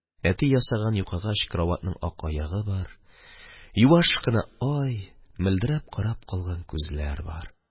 Әти ясаган юкагач караватның ак аягы бар, юаш кына ай, мөлдерәп карап калган күзләр бар